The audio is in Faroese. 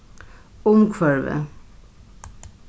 umhvørvi